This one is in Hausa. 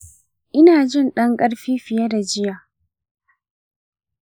ina jin ɗan ƙarfi fiye da jiya.